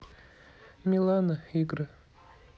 милана игры